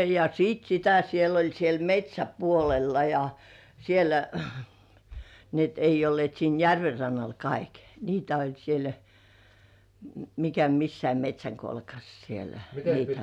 ja sitten sitä siellä oli siellä metsäpuolella ja siellä niin että ei olleet siinä järven rannalla kaikki niitä oli siellä mikä missäkin metsänkolkassa siellä niitä